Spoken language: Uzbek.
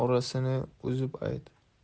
orasini uzib ayt